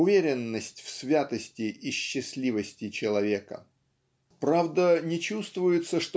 уверенность в святости и счастливости человека. Правда не чувствуется